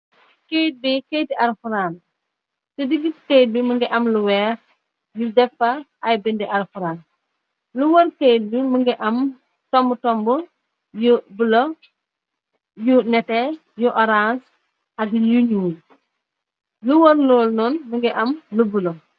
Kayt bi kayt ti al quran la. Ci diggi kayt bi më ngi am lu weex yu defa ay bindi al quran. Lu wër kayt mëngi am tomb tomb yu bulo, yu nete, yu orance ak yu ñuul . lu wër lool noon më ngi am lu bulo.